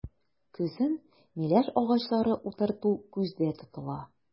Көзен миләш агачлары утырту күздә тотыла.